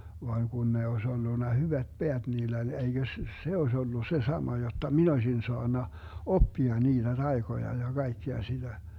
vaan kun ne olisi ollut hyvät päät niillä oli eikös - se olisi ollut se sama jotta minä olisin saanut oppia niitä taikoja ja kaikkea sitä